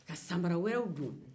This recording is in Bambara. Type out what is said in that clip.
ka samara wɛrɛw don